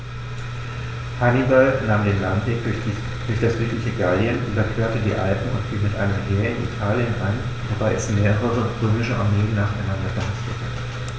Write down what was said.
Hannibal nahm den Landweg durch das südliche Gallien, überquerte die Alpen und fiel mit einem Heer in Italien ein, wobei er mehrere römische Armeen nacheinander vernichtete.